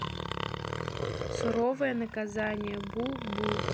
суровое наказание бубу